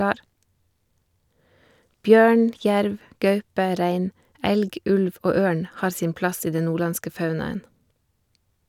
Bjørn, jerv , gaupe, rein, elg , ulv og ørn har sin plass i den nordlandske faunaen.